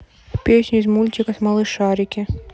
песни из мультика малышарики